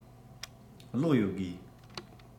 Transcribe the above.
གློག ཡོད དགོས